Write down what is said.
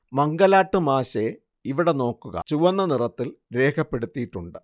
മംഗലാട്ട് മാശെ ഇവിടെ നോക്കുക ചുവന്ന നിറത്തിൽ രേഖപ്പെടുത്തിയിട്ടുണ്ട്